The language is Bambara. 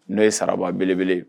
N'o ye sara belebele